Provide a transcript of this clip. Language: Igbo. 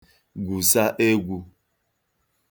gwùsa egwū